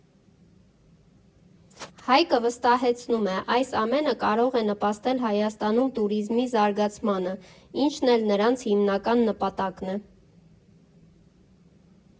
Հայկը վստահեցնում է՝ այս ամենը կարող է նպաստել Հայաստանում տուրիզմի զարգացմանը, ինչն էլ նրանց հիմնական նպատակն է։